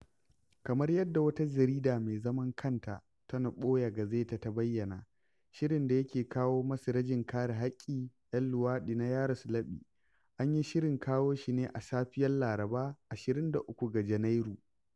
Kamar yadda wata jarida mai zaman kanta ta Noɓaya Gazeta ta bayyana, shirin da yake kawo masu rajin kare haƙƙin 'yan luwaɗi na Yaroslaɓi, an yi shirin kawo shi ne a safiyar Laraba, 23 ga Janairu.